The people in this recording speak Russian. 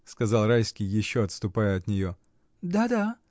— сказал Райский, еще отступая от нее. — Да, да.